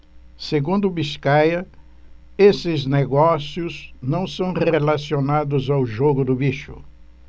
segundo biscaia esses negócios não são relacionados ao jogo do bicho